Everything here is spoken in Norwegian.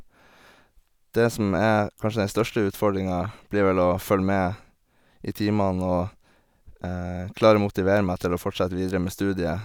Det som er kanskje den største utfordringa, blir vel å følge med i timene og klare å motivere meg til å fortsette videre med studiet.